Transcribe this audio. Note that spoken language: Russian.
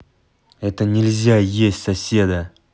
это нельзя есть соседа